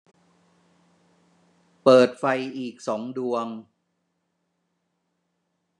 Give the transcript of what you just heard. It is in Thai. เปิดไฟอีกสองดวง